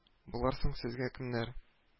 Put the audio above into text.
- болар соң сезгә кемнәр